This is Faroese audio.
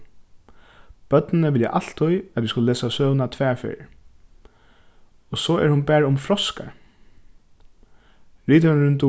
børnini vilja altíð at vit skulu lesa søguna tvær ferðir og so er hon bara um froskar rithøvundurin